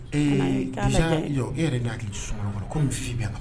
Ee jɔ e yɛrɛa kɛ ko' bɛ la